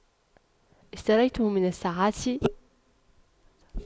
اشتريته من الساعاتي